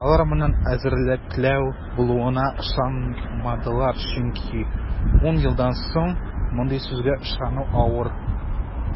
Алар моның эзәрлекләү булуына ышанмадылар, чөнки ун елдан соң мондый сүзгә ышану авыр.